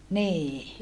niin